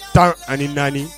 Tan ani naani